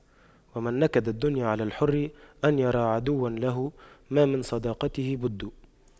ومن نكد الدنيا على الحر أن يرى عدوا له ما من صداقته بد